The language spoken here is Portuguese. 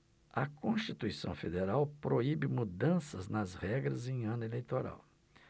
a constituição federal proíbe mudanças nas regras em ano eleitoral